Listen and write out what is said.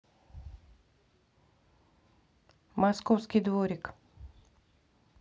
московский дворик